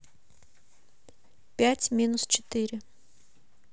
пять минус четыре